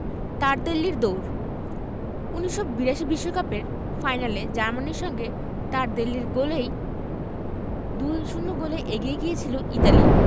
তারদেল্লির দৌড় ১৯৮২ বিশ্বকাপের ফাইনালে জার্মানির সঙ্গে তারদেল্লির গোলেই ২ ০ গোলে এগিয়ে গিয়েছিল ইতালি